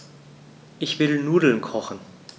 Ich will Nudeln kochen.